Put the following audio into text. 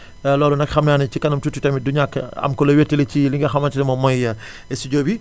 loolu nag xam naa ne ci kanam tuuti tamit du ñàkk am ku la wétali ci li nga xamante ne moom mooy studio bi